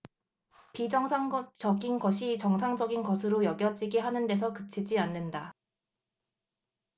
비정상적인 것이 정상적인 것으로 여겨지게 하는 데서 그치지 않는다